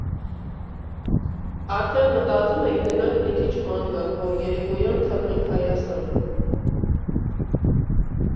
Արդեն մտածում ենք՝ գնանք մի քիչ ման գանք, որ երեկոյան թռնենք Հայաստան։